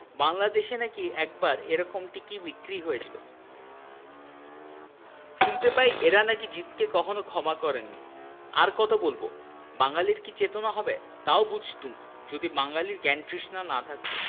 বাংলাদেশে নাকি একবার এরকম টিকি বিক্রি হয়েছিল শুনতে পাই এঁরা নাকি জিদকে কখনো ক্ষমা করেন নি আর কত বলব বাঙালীর কি চেতনা হবে তাও বুঝতুম যদি বাঙালীর জ্ঞানতৃষ্ণা না থাকত